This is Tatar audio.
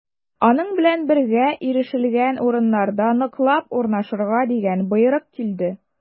Аның белән бергә ирешелгән урыннарда ныклап урнашырга дигән боерык килде.